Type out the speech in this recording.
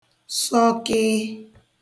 sọkịị